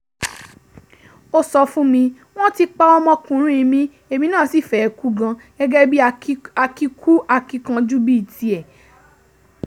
Ó sọ fún mi: "Wọ́n ti pa ọmọkùnrin mi, èmi nàá sì fẹ́ kú gan, gẹ́gẹ́ bíi akíkú-akíkanjú, bíi tiẹ̀.